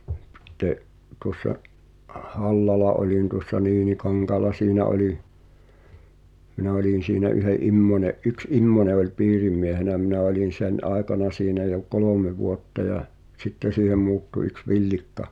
sitten tuossa Hallalla olin tuossa Niinikankaalla siinä oli minä olin siinä yhden Immosen yksi Immonen oli piirimiehenä minä olin sen aikana siinä jo kolme vuotta ja sitten siihen muuttui yksi Villikka